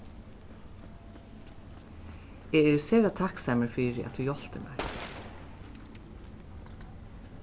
eg eri sera takksamur fyri at tú hjálpti mær